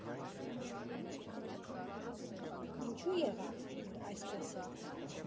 Ինչո՞ւ եղավ, որ այսպես եղավ։